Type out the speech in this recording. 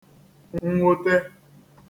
-nnwutē